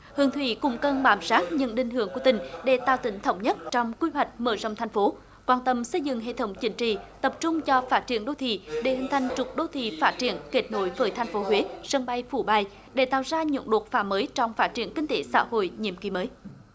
hương thủy cũng cần bám sát những định hướng của tỉnh để tạo tính thống nhất trong quy hoạch mở rộng thành phố quan tâm xây dựng hệ thống chính trị tập trung cho phát triển đô thị để hình thành trục đô thị phát triển kết nối với thành phố huế sân bay phú bài để tạo ra những đột phá mới trong phát triển kinh tế xã hội nhiệm kỳ mới